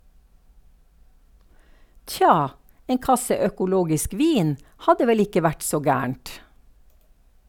- Tja, en kasse økologisk vin hadde vel ikke vært så gærent.